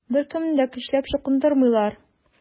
Беркемне дә көчләп чукындырмыйлар.